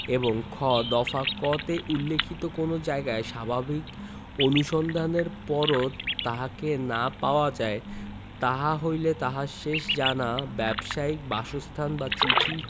এবং খ দফা ক তে উল্লেখিত কোন জায়গায় স্বাভাবিক অনুসন্ধানের পরও তাহাকে না পাওয়া যায় তাহা হইলে তাহার শেষ জানা ব্যবসায়িক বাসস্থান বা চিঠির